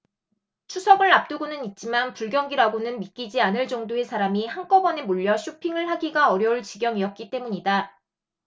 추석을 앞두고는 있지만 불경기라고는 믿기지 않을 정도의 사람이 한꺼번에 몰려 쇼핑을 하기가 어려울 지경이었기 때문이다